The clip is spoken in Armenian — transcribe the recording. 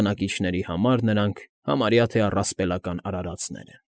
Բնակիչների համար նրանք համարյա թե առասպելական արարածներ են։